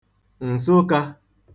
Ǹsụkā